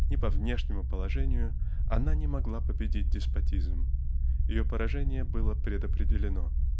ни по внешнему положению она не могла победить деспотизм ее поражение было предопределено.